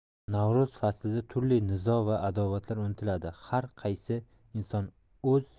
navro'z faslida turli nizo va adovatlar unutiladi har qaysi inson o'z